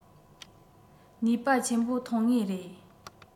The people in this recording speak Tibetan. ནུས པ ཆེན པོ ཐོན ངེས རེད